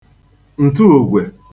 ǹtụògwè